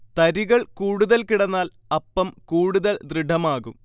തരികൾ കൂടുതൽ കിടന്നാൽ അപ്പം കൂടുതൽ ദൃഡമാകും